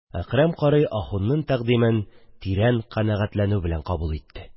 Әкрәм карый ахунның тәкъдимен тирән канәгатьләнү белән кабул итте.